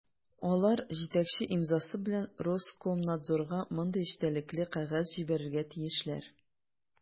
Алар җитәкче имзасы белән Роскомнадзорга мондый эчтәлекле кәгазь җибәрергә тиешләр: